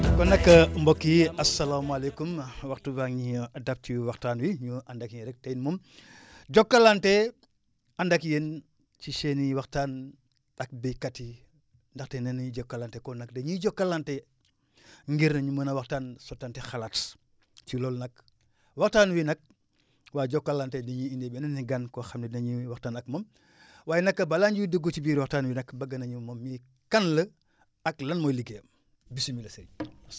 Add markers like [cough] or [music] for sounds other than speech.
[music] kon nag [hesitation] mbook yi asalaamaaleykum waxtu baa ngi dab si waxtaan bi ñu ànd ak yéen rek tey moom [inhales] Jokalante ànd ak yéen ci seen i waxtaan ak baykat yi ndaxte nee nañu Jokalante kon nag dañuy jokkalante ngir mën a waxtaan sottante xalaat ci loolu nag waxtaan wi nag waa Jokalante dañu indi beneen gan koo xam ne dinañ waxtaan ak moom waye nag balaa ñuy dugg ci biir waxtaan wi nag bëgg nañu mu ni kan la ak lan mooy liggéeyam bisimila sëñ bi [noise]